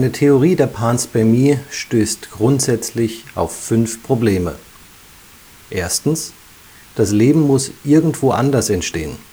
Theorie der Panspermie stößt grundsätzlich auf fünf Probleme: Das Leben muss irgendwo anders entstehen